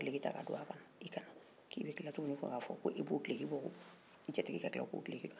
i be tila tugun k'i b'o duloki bɔ i jatigi kɛ ka tila k'o duloki don a kanna ɲamakalaya sara